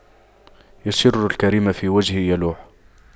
بِشْرُ الكريم في وجهه يلوح